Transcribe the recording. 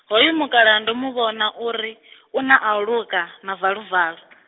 hoyo mukalaha ndo mu vhona uri, u na ahuluta na valuvalu .